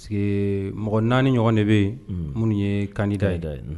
Que mɔgɔ naani ɲɔgɔn de bɛ yen minnu ye kan da ye da ye